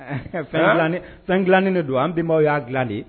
Fɛn dila fɛn dilain de don an bɛnbaw y'a dila de